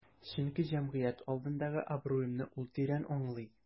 Чөнки җәмгыять алдындагы абруемны ул тирән аңлый.